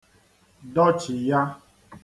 dọchìya